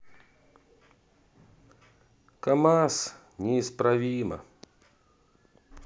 камаз неисправимо